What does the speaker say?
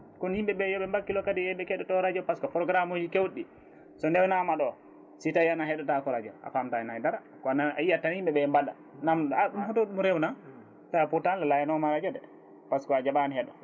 kono yimɓeɓe yooɓe mbakkilo kadi e nde keɗoto radio par ce que programme uji kewɗi so ndewnama ɗo si tawi an a heɗotako radio a famata hen haydara kono a yiiyat tan yimɓeɓe mbaɗa namdoɗa ɗum hoto ɗum rewna tawa pourtant layanoma radio de par ce que a jaaɓani heeɗo